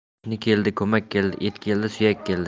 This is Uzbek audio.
qo'shni keldi ko'mak keldi et keldi suyak keldi